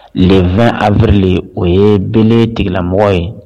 Lemɛ ari o ye bereele tigilamɔgɔ ye